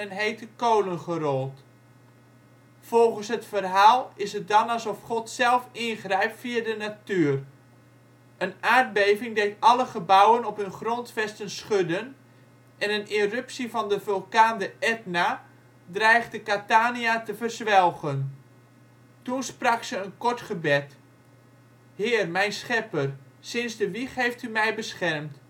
hete kolen gerold. Volgens het verhaal is het dan alsof God zelf ingrijpt via de natuur. Een aardbeving deed alle gebouwen op hun grondvesten schudden en een eruptie van de vulkaan de Etna dreigde Catania te verzwelgen. Toen sprak ze een kort gebed: " Heer, mijn schepper, sinds de wieg heeft U mij beschermd